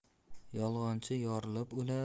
yolg'onchi yorilib o'lar